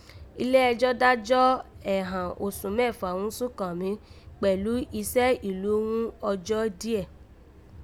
Ilé ẹjọ́ dájọ́ ẹ̀ghàn osùn mẹ́fà ghún Súnkànmí kpẹ̀lú isẹ́ ìlú ghún ọjọ́ díè